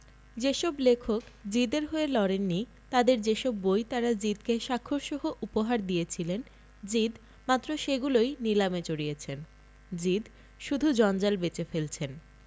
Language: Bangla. যে সব লেখক জিদে র হয়ে লড়েন নি তাঁদের যে সব বই তাঁরা জিদ কে স্বাক্ষরসহ উপহার দিয়েছিলেন জিদ মাত্র সেগুলোই নিলামে চড়িয়েছেন জিদ শুধু জঞ্জাল বেচে ফেলছেন